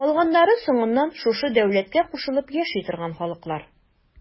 Калганнары соңыннан шушы дәүләткә кушылып яши торган халыклар.